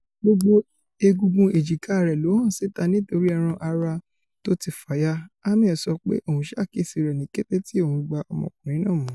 Gbogbo egungun èjìká rẹ̀ ló hàn síta nítorí ẹran ara tó ti fàya,'' Hammel sọ pé òun ṣàkíyèsí rẹ̀ ní kété tí òun gbà ọmọkùnrin náà mú.